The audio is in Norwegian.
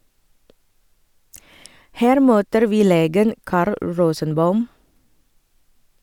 Her møter vi legen Carl Rosenbaum.